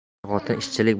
yaxshi xotin ishlik